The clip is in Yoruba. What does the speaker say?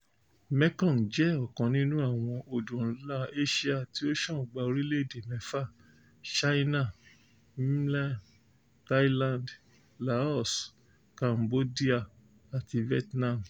Mekong jẹ́ ọ̀kan nínú àwọn odò ńlá Ásíà tí ó ṣàn gba orílẹ̀-èdè mẹ́fà: China, Myanmar, Thailand, Laos, Cambodia, àti Vietnam.